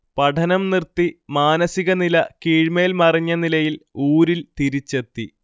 പഠനം നിർത്തി, മാനസികനില കീഴ്മേൽ മറിഞ്ഞനിലയിൽ ഊരിൽ തിരിച്ചെത്തി